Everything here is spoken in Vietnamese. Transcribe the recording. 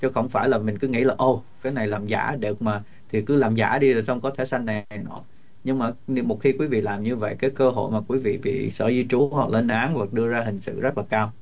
chứ không phải là mình cứ nghĩ là ồ cái này làm giả được mà thì cứ làm giả đi là xong có thẻ xanh này nọ nhưng mà nếu một khi quý vị làm như vậy các cơ hội quý vị bị sở di trú của họ lên án và đưa ra hình sự rất là cao